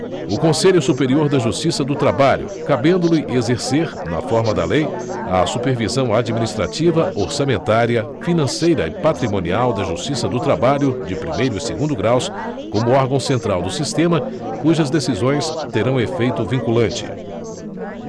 o conselho superior da justiça do trabalho cabendo lhe exercer na forma da lei a supervisão administrativa orçamentária financeira e patrimonial da justiça do trabalho de primeiro e segundo graus como órgão central do sistema cujas decisões terão efeito vinculante